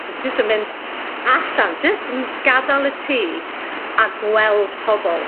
So jyst yn mynd allan, jyst m- gadal y tŷ, a gweld pobol.